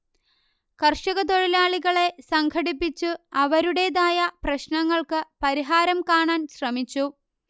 കർഷകതൊഴിലാളികളെ സംഘടിപ്പിച്ചു അവരുടേതായ പ്രശ്നങ്ങൾക്ക് പരിഹാരം കാണാൻ ശ്രമിച്ചു